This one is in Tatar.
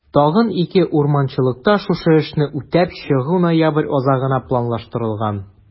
Тагын 2 урманчылыкта шушы эшне үтәп чыгу ноябрь азагына планлаштырылган.